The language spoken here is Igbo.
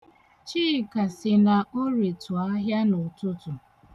Chika sị na o retụ ahịa n'ụtụtụ.